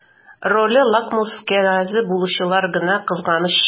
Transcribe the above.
Роле лакмус кәгазе булучылар гына кызганыч.